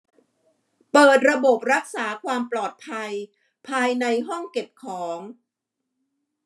เปิดระบบรักษาความปลอดภัยภายในห้องเก็บของ